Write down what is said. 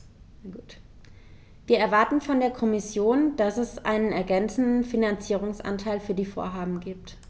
Wir erwarten von der Kommission, dass es einen ergänzenden Finanzierungsanteil für die Vorhaben gibt.